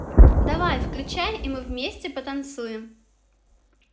давай включай и мы вместе потанцуем